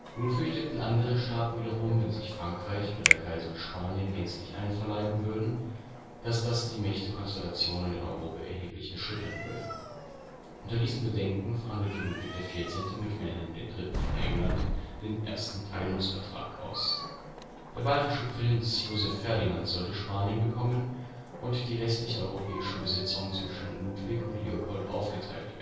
Nun fürchteten anderen Staaten wiederum, wenn sich Frankreich oder der Kaiser Spanien gänzlich einverleiben würden, dass das die Mächtekonstellationen in Europa erheblich erschüttern würde. Unter diesen Bedenken verhandelte Ludwig XIV. mit Wilhelm III. von England, den 1. Teilungsvertrag aus. Der bayerische Prinz Joseph-Ferdinand sollte Spanien bekommen und die restlichen europäischen Besitzungen zwischen Ludwig und Leopold aufgeteilt